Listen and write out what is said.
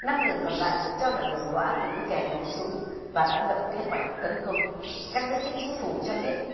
năm người còn lại được cho là đồng lõa của những kẻ nổ súng và đã lập kế hoạch tấn công các giới chức chính phủ cho biết